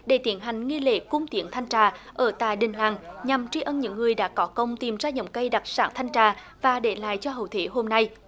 để tiến hành nghi lễ cung tiến thanh trà ở tại đình làng nhằm tri ân những người đã có công tìm ra giống cây đặc sản thanh trà và để lại cho hậu thế hôm nay